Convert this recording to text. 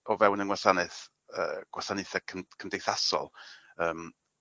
O fewn yng ngwasanaeth yy gwasanaethe cym- cymdeithasol yym